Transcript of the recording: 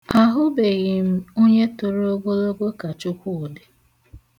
Ahụbeghị m onye toro ogologo ka Chukwudị.